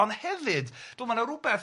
ond hefyd dwi'n meddwl ma'na rywbeth